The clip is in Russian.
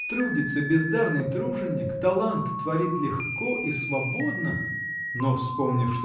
– Трудится бездарный труженик; талант творит легко и свободно. Но вспомнив